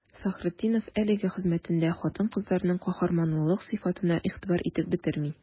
Фәхретдинов әлеге хезмәтендә хатын-кызларның каһарманлылык сыйфатына игътибар итеп бетерми.